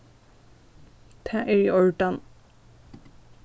tað er í ordan